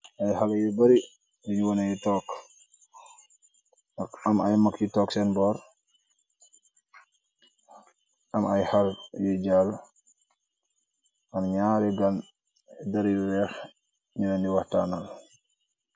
Ay xale yu bari dinu wonay tokk am ay magyi tokk seen boor am ay xale yu jall am naari gan dari weex nu leeni waxtaanal.